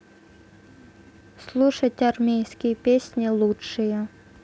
слушать армейские песни лучшие